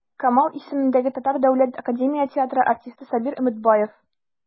Камал исемендәге Татар дәүләт академия театры артисты Сабир Өметбаев.